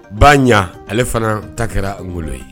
Ba ɲɛ ale fana ta kɛra ngolo ye